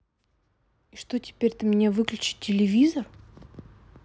и что теперь ты мне выключить телевизор